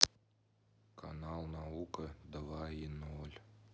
канал наука два и ноль